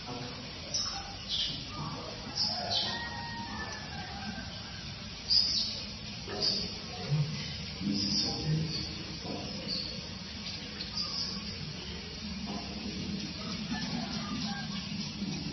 Waxaa fadhiya niman fara badan waxa ay ku fadhiyaan kuraas caddaan miisaas adan ayaa horyaalo nin ayaa hortaagan oo u qudbeyna